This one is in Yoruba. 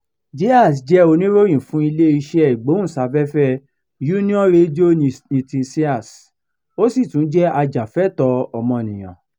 [Díaz] jẹ́ oníròyìn fún ilé iṣẹ́ ìgbóhùnsáfẹ́fẹ́ Unión Radio Noticias , ó sì tún jẹ́ ajàfúnẹ̀tọ́ ọmọnìyàn.